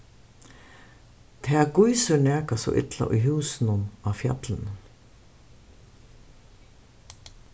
tað gýsur nakað so illa í húsinum á fjallinum